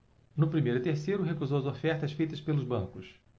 no primeiro e terceiro recusou as ofertas feitas pelos bancos